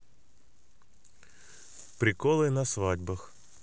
приколы на свадьбах